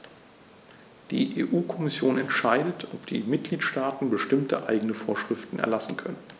Die EU-Kommission entscheidet, ob die Mitgliedstaaten bestimmte eigene Vorschriften erlassen können.